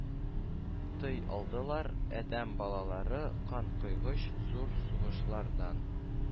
Тый алдылар, адәм балалары канкойгыч зур сугышлардан